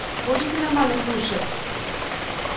можете нормально слушать